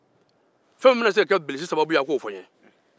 fɛn min bɛna kɛ bilisi sababu ye a' k'o fo n ye